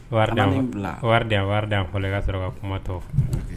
Wari fɔ kaa sɔrɔ ka kumatɔ